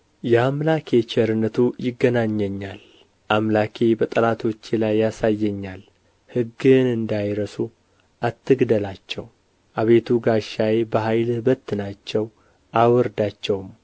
የአምላኬ ቸርነቱ ይገናኘኛል አምላኬ በጠላቶቼ ላይ ያሳየኛል ሕግህን እንዳይረሱ አትግደላቸው አቤቱ ጋሻዬ በኃይልህ በትናቸው አውርዳቸውም